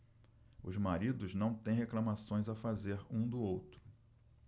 os maridos não têm reclamações a fazer um do outro